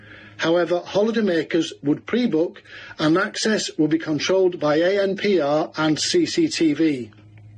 However, holidaymakers would pre-book, and access would be controlled by ANPR and CCTV.